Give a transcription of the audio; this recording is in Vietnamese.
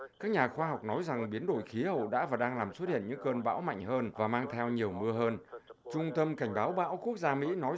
các nhà khoa học nói rằng biến đổi khí hậu đã và đang làm xuất hiện những cơn bão mạnh hơn và mang theo nhiều mưa hơn trung tâm cảnh báo bão quốc gia mỹ nói